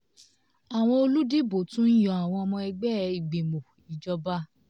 Àwọn olùdìbò tún ń yan àwọn ọmọ ẹgbẹ́ ìgbìmọ̀ ìjọba.